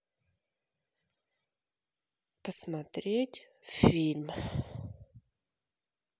посмотреть фильм